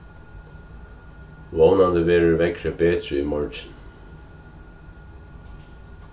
vónandi verður veðrið betri í morgin